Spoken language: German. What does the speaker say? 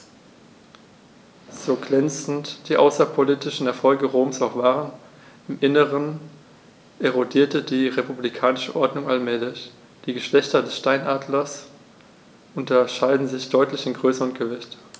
So glänzend die außenpolitischen Erfolge Roms auch waren: Im Inneren erodierte die republikanische Ordnung allmählich. Die Geschlechter des Steinadlers unterscheiden sich deutlich in Größe und Gewicht.